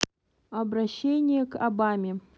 обращение к обаме